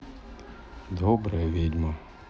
добрая ведьма